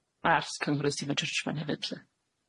Ma' ars Cymru sy'n mynd tryshfan hefyd lly.